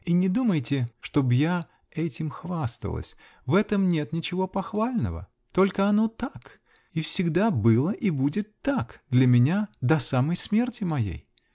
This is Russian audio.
И не думайте, чтоб я этим хвасталась -- в этом нет ничего похвального, -- только оно так, и всегда было и будет так для меня, до самой смерти моей.